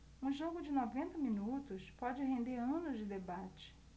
um jogo de noventa minutos pode render anos de debate